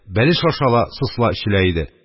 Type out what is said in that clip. Бәлеш ашала, сосла эчелә иде